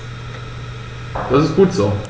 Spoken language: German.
Das ist gut so.